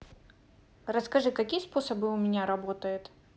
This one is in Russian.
расскажи какие способы у меня работает